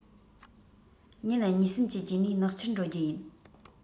ཉིན གཉིས གསུམ གྱི རྗེས ནས ནག ཆུར འགྲོ རྒྱུ ཡིན